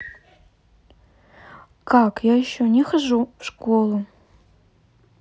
как я еще не хожу в школу